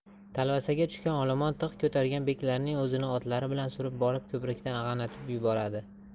talvasaga tushgan olomon tig' ko'targan beklarning o'zini otlari bilan surib borib ko'prikdan ag'anatib yuboradi